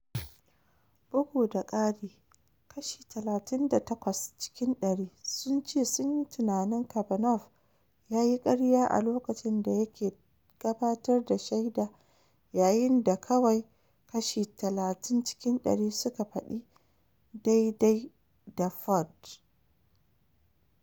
Bugu da ƙari, kashi 38 cikin dari sun ce sunyi tunanin Kavanaugh ya yi ƙarya a lokacin da yake gabatar da shaida, yayin da kawai kashi 30 cikin dari suka faɗi daidai da Ford.